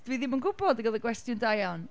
Dwi ddim yn gwbod, ac oedd o’n gwestiwn da iawn.